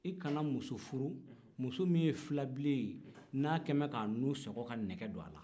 i kana muso furu muso min ye fulabilen ye n'a kɛlen bɛ k'a nu sɔgɔ ka nɛgɛ don a la